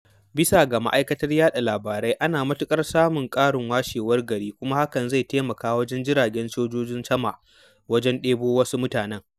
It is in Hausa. Bisa ga ma'aikatar yaɗa labarai, ana matuƙar samu ƙarin washewar gari kuma hakan zai taimaka wa jiragen sojojin sama wajen ɗebo wasu mutanen.